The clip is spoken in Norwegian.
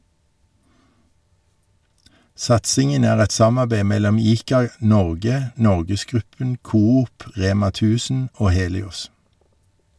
Satsingen er et samarbeid mellom ICA-Norge, NorgesGruppen, Coop, Rema 1000 og Helios.